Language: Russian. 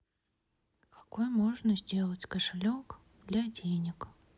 какой можно сделать кошелек для денег